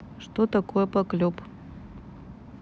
что такое не поклеп